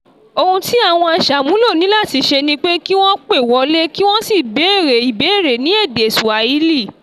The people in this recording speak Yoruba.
Ohun tí àwọn aṣàmúlò ní láti ṣe ni pé kí wọ́n pè wọlé kí wọ́n sì bèrè ìbéèrè ní èdè Swahili.